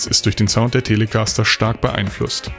ist durch den Sound der Telecaster stark beeinflusst